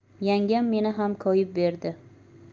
yangam meni ham koyib berdi